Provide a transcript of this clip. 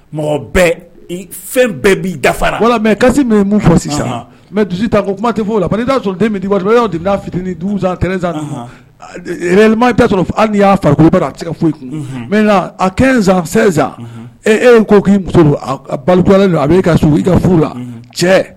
Mɔgɔ bɛɛ fɛn bɛɛ' dafa walima mɛ kasi min fɔ sisan mɛ dusu ta kuma tɛ foyi' la ko'a sɔrɔ den min' kulubali' de' fitinin tɛzlima bɛɛ sɔrɔ hali y'a farikolo bɛɛ a se ka foyi kun mɛ a kɛ n e e ko k'i muso balilen don a bɛ' ka so i ka furu la cɛ